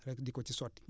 rek di ko ci sotti